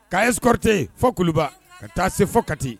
K'a yesrte fɔ kuluba ka taa se fɔ ka ten